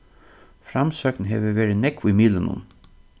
framsókn hevur verið nógv í miðlunum